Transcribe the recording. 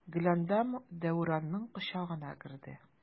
Гөләндәм Дәүранның кочагына керде.